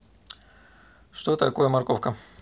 что такое морковка